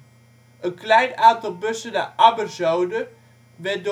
klein aantal bussen naar Ammerzoden werd